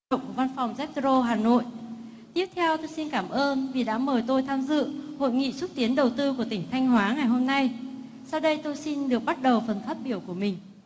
văn phòng dét rô hà nội tiếp theo tôi xin cảm ơn vì đã mời tôi tham dự hội nghị xúc tiến đầu tư của tỉnh thanh hóa ngày hôm nay sau đây tôi xin được bắt đầu phần phát biểu của mình